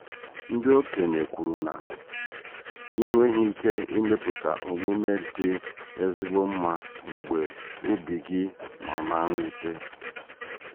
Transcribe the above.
Ndị okenye kwuru na, ịnweghị ike ịmepụta omume dị ezigbo mma mgbe obi gị nọ na mwute.